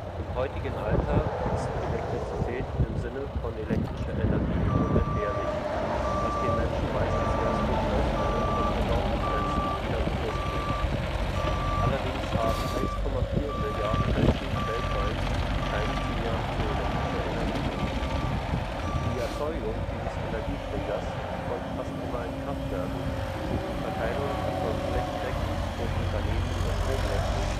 Im heutigen Alltag ist Elektrizität im Sinne von elektrischer Energie unentbehrlich, was dem Menschen meistens erst durch Ausfälle von Versorgungsnetzen wieder bewusst wird. Allerdings haben 1,4 Mrd. Menschen weltweit keinen Zugang zu elektrischer Energie. Die Erzeugung dieses Energieträgers erfolgt fast immer in Kraftwerken, die Verteilung erfolgt flächendeckend durch Unternehmen der Stromnetze